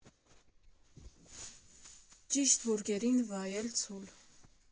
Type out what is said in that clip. Ճիշտ բուրգերին վայել ցուլ։